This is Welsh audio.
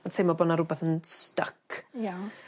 yn teimlo bo' 'na rwbath yn styc. Iawn.